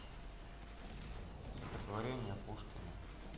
стихотворение пушкина